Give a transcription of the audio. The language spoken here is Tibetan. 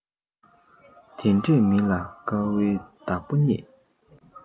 དེ འདྲས མི ལ སྐར མའི བདག པོ རྙེད